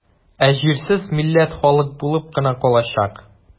Ә җирсез милләт халык булып кына калачак.